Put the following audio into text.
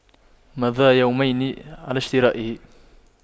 مضى يومين على شرائه